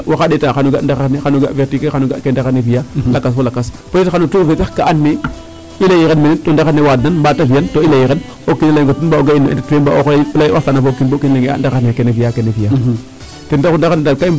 A soɓanga ken ndaxar ne xan o ga' wo xa ɗeeta xan o ga' ndaxar ne xan o ga' vertu ke, xan o ga' ke ndaxar ne fi'aa lakas fo lakas to yit xan o trouver sax kaa andoona yee i layiran mene to ndaxar ne waadnan mbaat a fi'an to i layiran o kiin a layong o teen mbaa o ga'in no net fe mbaa o xoyel waxtaan fo kiin bo kiin oxe layonge a ndaxar ne kene fi'a kene fi'a ten taxu ndaxar ne daal kaa i mbug.